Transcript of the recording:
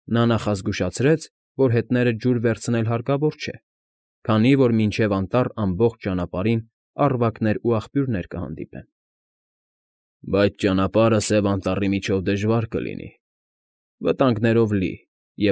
Նա նախազգուշացրեց, որ հետները ջուր վերցնել հարկավոր չէ, քանի որ մինչև անտառ ամբողջ ճանապարհին առվակներ ու աղբյուրներ կհանդիպեն։ ֊ Բայց ճանապարհը Սև Անտառի միջով դժվար կլինի, վտանգներով լի և։